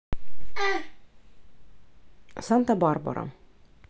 санта барбара